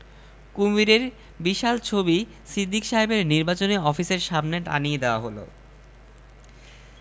ঠিক করেছি সরাসরি যখন ধরতেই হচ্ছে দুটা না ধরে গােটা দশেক ধরে নিয়ে আসব কুমির ধরার কাজে সহায়তা করার জন্যে প্রাণীবিদ্যায় এম এস সি